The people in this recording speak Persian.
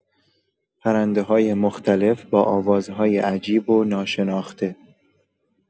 پرنده‌های مختلف با آوازهای عجیب و ناشناخته